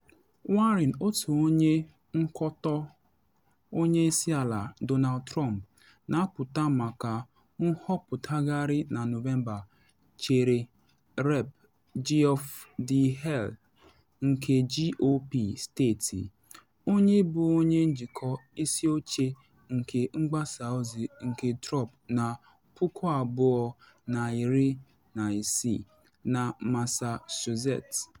Warren, otu onye nkọtọ Onye Isi Ala Donald Trump, na apụta maka nhọpụtagharị na Nọvemba chere Rep. Geoff Diehl nke GOP steeti, onye bụ onye njikọ isi oche nke mgbasa ozi nke Trump na 2016 na Massachusetts.